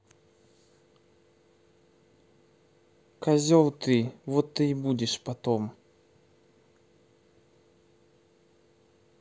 козел ты вот ты и будешь потом